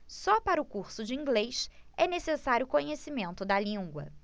só para o curso de inglês é necessário conhecimento da língua